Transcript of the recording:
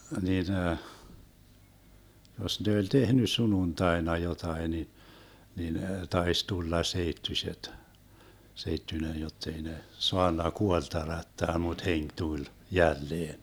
niin jos ne oli tehnyt sunnuntaina jotakin niin niin taisi tulla seittyiset seittyinen jotta ei ne saanut kuollut herättää mutta henki tuli jälleen